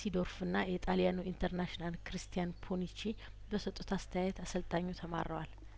ሲዶር ፍና የጣልያኑ ኢንተርናሽናል ክሪስቲያን ፖኑቺ በሰጡት አስተያየት አሰልጣኙ ተማረዋል